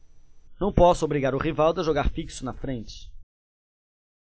não posso obrigar o rivaldo a jogar fixo na frente